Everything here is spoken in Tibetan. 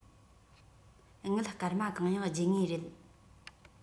དངུལ སྐར མ གང ཡང སྦྱིན ངེས རེད